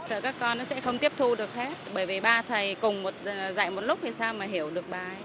sợ các con nó sẽ không tiếp thu được hết bởi vì ba thầy cùng dạy một lúc thì sao mà hiểu được bài